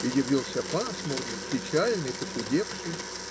И явился пасмурный, печальный, похудевший.